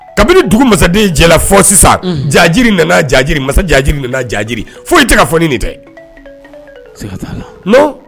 Kabini dugu masaden cɛla fɔ sisan jajiri nana jaji masajanjiri nana jaji foyi tɛ ka fɔoni nin tɛ